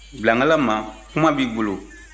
bilangalama kuma b'i bolo